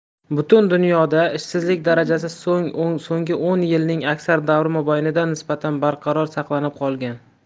butun dunyoda ishsizlik darajasi so'ng o'n yilning aksar davri mobaynida nisbatan barqaror saqlanib qolgan